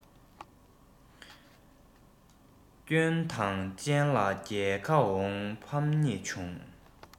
སྐྱོན དང ཅན ལ རྒྱལ ཁ འོང ཕམ ཉེས བྱུང